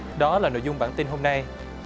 đó là nội dung bản tin hôm nay